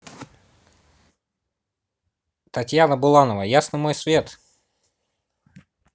татьяна буланова ясный мой свет